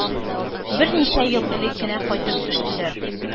Берничә ел элек кенә кайтып төштеләр.